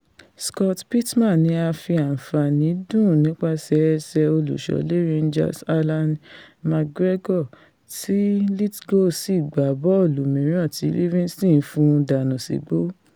Scott Pittman ní a fi àǹfàànì dùn nípaṣẹ̀ ẹsẹ̀ olùṣọ́lé Rangers Allan McGregor tí Lithgow sì gbá bọ́ọ̀lù mìíràn tí Livingston fún un dànù sígbó.